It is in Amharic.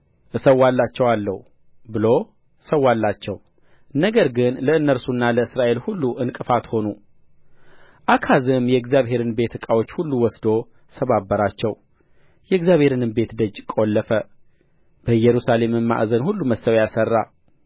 እሠዋላቸዋለሁ ብሎ ሠዋላቸው ነገር ግን ለእርሱና ለእስራኤል ሁሉ እንቅፋት ሆኑ አካዝም የእግዚአብሔርን ቤት ዕቃዎች ሁሉ ወስዶ ሰባበራቸው የእግዚአብሔርንም ቤት ደጅ ቈለፈ በኢየሩሳሌምም ማዕዘን ሁሉ መሠዊያ ሠራ